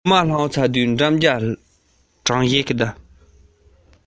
ང རང བྱིས པ རེ རེ ལ བསྟན